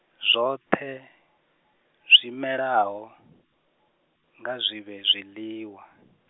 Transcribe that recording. zwoṱhe, zwimelaho, nga zwivhe zwiḽiwa.